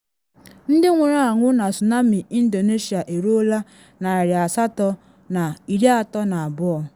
Ndị nwụrụ anwụ na tsunami Indonesia eruola 832